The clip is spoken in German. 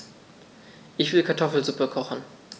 Ich will Kartoffelsuppe kochen.